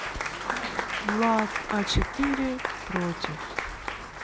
влад а четыре против